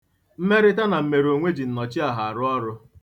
Mmerịta na mmeronwe ji nnọchiaha arụ ọrụ.